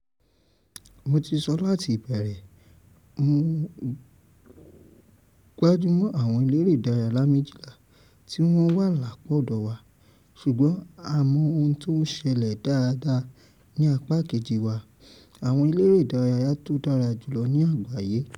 Mo ti sọ mláti ìbẹ̀rẹ̀, Mo gbájúmọ́ àwọn èléré ìdárayá 12 tí wọ́n wà lápá ọ̀dọ̀ wa, ṣùgbọ́n a mọ ohun tí ó ń ṣẹlẹ̀ dáadáa ní apá kejì wa -. àwọn eléré ìdárayá tó dára jùlọ ní àgbáyé”